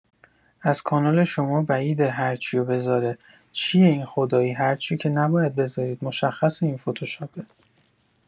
از کانال شما بعیده هرچیو بزاره چیه این خدایی هرچیو که نباید بزارید مشخصه این فتوشاپه